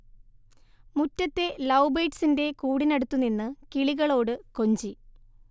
മുറ്റത്തെ ലൗബേഡ്സിന്റെ കൂടിനടുത്ത് നിന്ന് കിളികളോട് കൊഞ്ചി